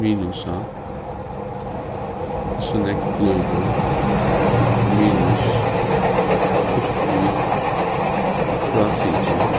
minusa hvussu nógv blívur minus býtt við frátikið